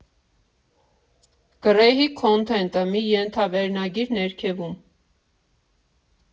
Գռեհիկ քոնթենթը՝ մի ենթավերնագիր ներքևում։